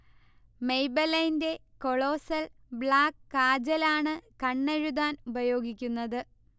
മെയ്ബെലൈന്റെ colossal black kajal ആണ് കണ്ണെഴുതാൻ ഉപയോഗിക്കുന്നത്